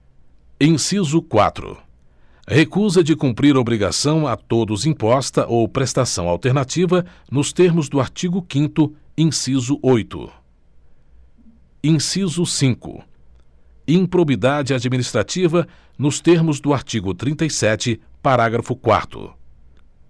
inciso quatro recusa de cumprir obrigação a todos imposta ou prestação alternativa nos termos do artigo quinto inciso oito inciso cinco improbidade administrativa nos termos do artigo trinta e sete parágrafo quarto